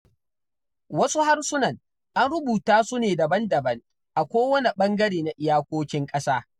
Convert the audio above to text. Wasu harsunan an rubuta su ne daban-daban a kowane ɓangare na iyakokin ƙasa.